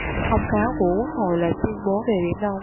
thông cáo của quốc hội là tuyên bố về biển đông